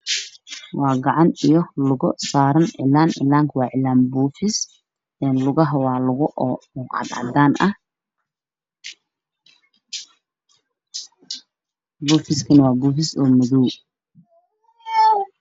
Waa cagan iyo lugo saaran cilaan cilaanka waa cilaan buufis lugaha waa luga oo cadaan ah buufifka waa buufis madow ah